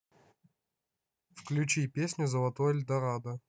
включи песню золотой эльдорадо